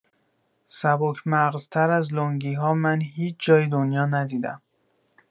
سبک‌مغزتر از لنگی‌ها من هیچ جای دنیا ندیدم